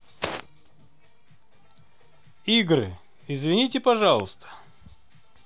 игры извините пожалуйста